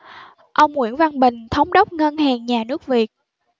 ông nguyễn văn bình thống đốc ngân hàng nhà nước việt